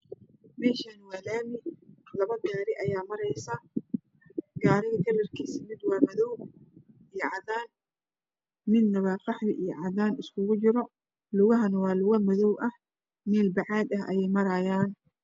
Meeshaani waa laami labo gaari ayaa marayso gaariga kalarkiisa mid waa madow iyo cadaan midna waa qaxwi iyo cagaar iskugu jiro lugahana waa lugo madow ah meel bacaad ah ayey maraayan